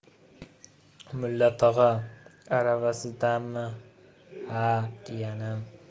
mulla tog'a arava sizdanmi ha jiyanim